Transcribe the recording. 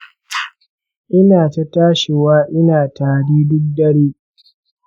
ina ta tashiwa ina tari duk dare